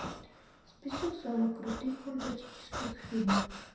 список самых крутых фантастических фильмов